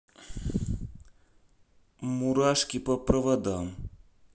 мурашки по проводам